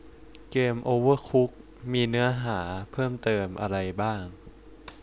เกมโอเวอร์คุกมีเนื้อหาเพิ่มเติมอะไรบ้าง